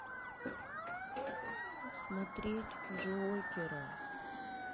смотреть джокер